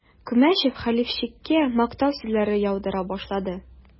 Күмәчев Хәләфчиккә мактау сүзләре яудыра башлады.